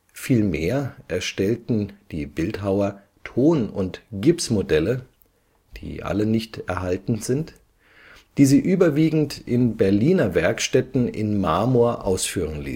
Vielmehr erstellten die Bildhauer Ton - und Gipsmodelle (nicht erhalten), die sie überwiegend in Berliner Werkstätten in Marmor ausführen